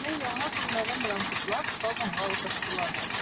Мине, яңа күлмәгем белән котлап, табынга утырттылар.